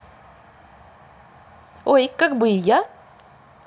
ой как бы и я